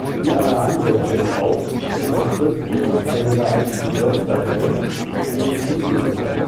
Wie alle anderen Viren auch sucht das Skriptvirus eine geeignete Wirtsdatei, die es infizieren kann